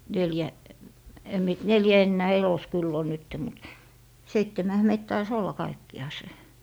neljä en minä - neljä enää elossa kyllä on nyt mutta seitsemänhän meitä taisi olla kaikkiaan